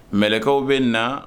Mlɛlɛkɛw bɛ na